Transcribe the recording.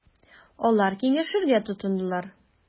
Алар киңәшергә тотындылар.